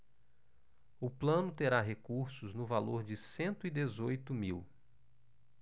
o plano terá recursos no valor de cento e dezoito mil